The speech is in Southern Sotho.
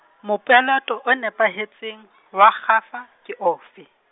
mopeleto o nepahetseng wa kgafa, ke ofe?